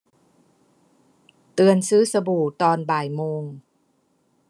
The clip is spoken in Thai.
เตือนซื้อสบู่ตอนบ่ายโมง